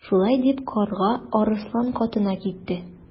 Шулай дип Карга Арыслан катына китте.